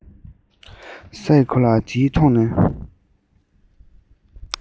ས ཡི གོ ལ འདིའི ཐོག གནས